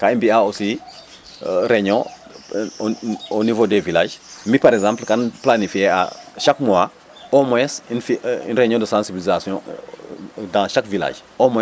ka i mbi'aa aussi réunion au niveau des village mi' par exemple kam planifier a chaque mois au moins une reunion de sensiblisation dans les village a